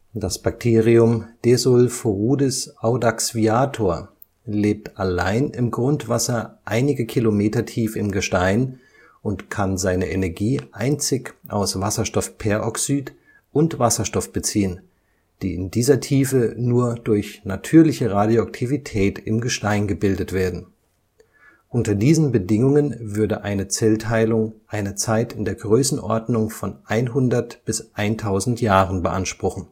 Das Bakterium Desulforudis audaxviator lebt allein im Grundwasser einige Kilometer tief im Gestein und kann seine Energie einzig aus Wasserstoffperoxid und Wasserstoff beziehen, die in dieser Tiefe nur durch natürliche Radioaktivität im Gestein gebildet werden. Unter diesen Bedingungen würde eine Zellteilung eine Zeit in der Größenordnung von 100 bis 1000 Jahren beanspruchen